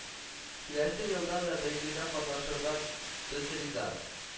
“киләсе елда да бәйгедә катнашырга без риза